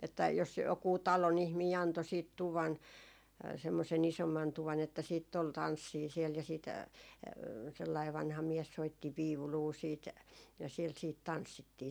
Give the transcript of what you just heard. että jos joku talon ihminen antoi sitten tuvan semmoisen isomman tuvan että sitten oli tanssia siellä ja sitten sellainen vanha mies soitti viulua sitten ja siellä sitten tanssittiin